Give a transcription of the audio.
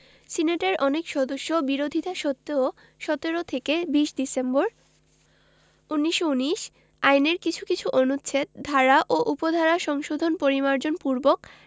সিনেটের অনেক সদস্যের বিরোধিতা সত্ত্বেও ১৭ থেকে ২০ ডিসেম্বর ১৯১৯ আইনের কিছু কিছু অনুচ্ছেদ ধারা ও উপধারা সংশোধন পরিমার্জন পূর্বক